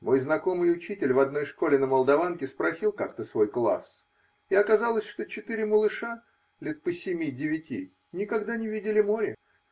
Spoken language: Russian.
Мой знакомый учитель в одной школе на Молдаванке опросил как-то свой класс, и оказалось, что четыре малыша, лет по семи-девяти, никогда не видали море.